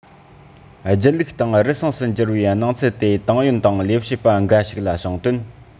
སྒྱིད ལུག དང རུལ སུངས སུ འགྱུར བའི སྣང ཚུལ དེ ཏང ཡོན དང ལས བྱེད པ འགའ ཞིག ལ བྱུང དོན